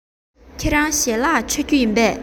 ཁྱེད རང ཞལ ལག མཆོད རྒྱུ བཟའ རྒྱུ ཡིན པས